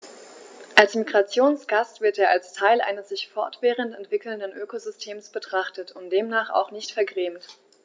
Als Migrationsgast wird er als Teil eines sich fortwährend entwickelnden Ökosystems betrachtet und demnach auch nicht vergrämt.